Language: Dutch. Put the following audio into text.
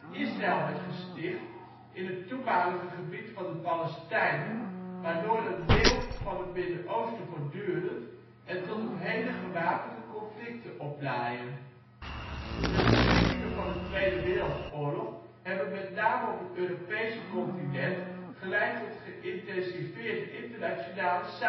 Israël werd gesticht in het toenmalige gebied van de Palestijnen waardoor in dat deel van het Midden-Oosten voortdurend, en tot op heden gewapende conflicten oplaaien. De verschrikkingen van de Tweede Wereldoorlog hebben met name op het Europese continent geleid tot geïntensiveerde internationale samenwerking